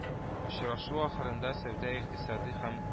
Очрашу ахырында сәүдә-икътисади